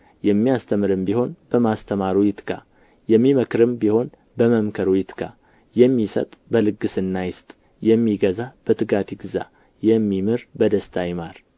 የሚያስተምርም ቢሆን በማስተማሩ ይትጋ የሚመክርም ቢሆን በመምከሩ ይትጋ የሚሰጥ በልግስና ይስጥ የሚገዛ በትጋት ይግዛ የሚምር በደስታ ይማር